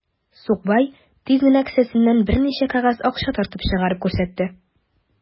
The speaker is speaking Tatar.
Сукбай тиз генә кесәсеннән берничә кәгазь акча тартып чыгарып күрсәтте.